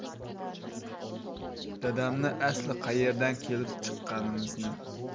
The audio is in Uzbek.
dadamni asli qayerdan kelib chiqqanimizni